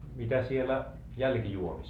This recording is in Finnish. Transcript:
mitä siellä jälkijuomissa